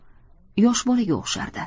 yosh bolaga o'xshardi